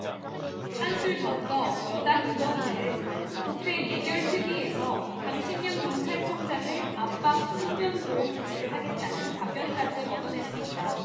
한술 더 떠 여당 의원들은 국회 예결특위에서 강신명 경찰청장을 압박 신변보호 조치를 하겠다는 답변까지 얻어냈습니다